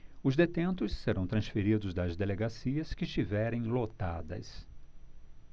os detentos serão transferidos das delegacias que estiverem lotadas